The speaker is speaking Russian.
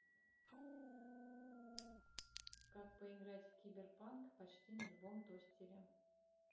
как поиграть в cyberpunk почти на любом тостере